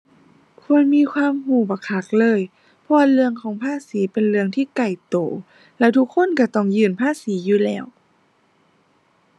ควรมีความรู้บักคักเลย เพราะว่าเรื่องของภาษีเป็นเรื่องที่ใกล้รู้แล้วทุกคนรู้ต้องยื่นภาษีอยู่แล้ว